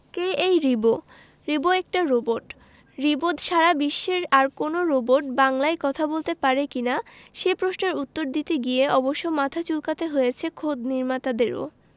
কে এই রিবো রিবো একটা রোবট রিবো ছাড়া বিশ্বের আর কোনো রোবট বাংলায় কথা বলতে পারে কি না সে প্রশ্নের উত্তর দিতে গিয়ে অবশ্য মাথা চুলকাতে হয়েছে খোদ নির্মাতাদেরও